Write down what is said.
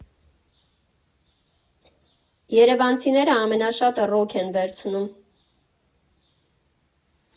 Երևանցիները ամենաշատը ռոք են վերցնում։